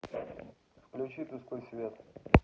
включи тусклый свет